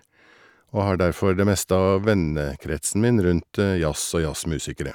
Og har derfor det meste av vennekretsen min rundt jazz og jazzmusikere.